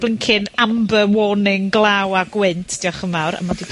blincin amber warning glaw a gwynt, diolch yn fawr a ma' 'di...